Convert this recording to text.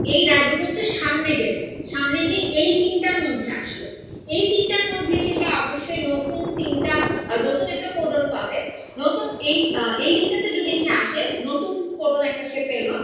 এই রাইবোজোম টা সামনে গেল সামনে গিয়ে এই তিনটার মধ্যে আসলো এই তিনটার মধ্যে এসে সে অবশ্যই নতুন তিনটা নতুন একটা কোডন পাবে নতুন এই ৩ টাতে যদি সে আসে নতুন কোডন একটা সে পেল